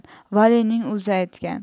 valining o'zi aytgan